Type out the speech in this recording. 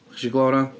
Chi isio clywed hwnna?